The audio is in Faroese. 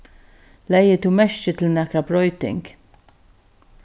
legði tú merki til nakra broyting